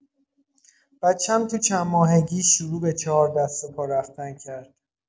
بچه‌ام تو چندماهگی شروع به چهاردست‌وپا رفتن کرد.